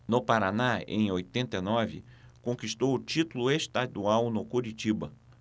no paraná em oitenta e nove conquistou o título estadual no curitiba